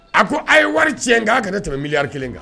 A ko a ye wari tiɲɛ in k' ka ne tɛmɛ miliyanri kelen kan